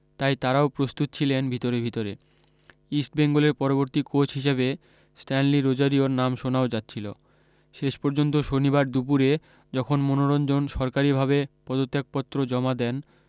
তাই তাঁরাও প্রস্তুত ছিলেন ভিতরে ভিতরে ইস্টবেঙ্গলের পরবর্তী কোচ হিসাবে স্ট্যানলি রোজারিওর নাম শোনাও যাচ্ছিল শেষ পর্যন্ত শনিবার দুপুরে যখন মনোরঞ্জন সরকারী ভাবে পদত্যাগপত্র জমা দেন